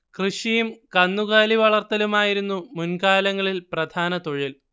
കൃഷിയും കന്നുകാലിവളർത്തലുമായിരുന്നു മുൻകാലങ്ങളിൽ പ്രധാന തൊഴിൽ